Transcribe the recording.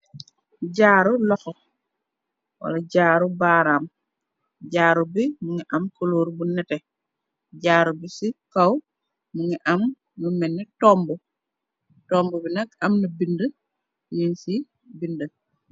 Jaru loxo wala jaru baram, jaru bi mugii am kulor bu netteh. Jaru bi si kaw mugii am lu melni tombú. Tombú bi nak ami bindé ñing ci bindé.